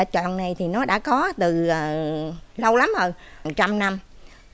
choàng này thì nó đã có từ lâu lắm rồi hàng trăm năm